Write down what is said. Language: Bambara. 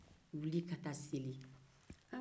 wuli i ka taa seli